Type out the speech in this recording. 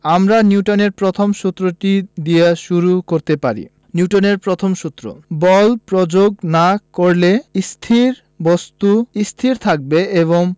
আমরা নিউটনের প্রথম সূত্রটি দিয়ে শুরু করতে পারি নিউটনের প্রথম সূত্র বল প্রয়োগ না করলে স্থির বস্তু স্থির থাকবে এবং